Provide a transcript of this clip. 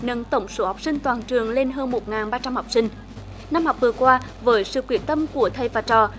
nâng tổng số học sinh toàn trường lên hơn một ngàn ba trăm học sinh năm học vừa qua với sự quyết tâm của thầy và trò